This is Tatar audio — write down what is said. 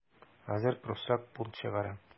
Хәзер пруссак бунт чыгара.